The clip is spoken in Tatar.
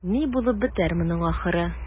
Ни булып бетәр моның ахыры?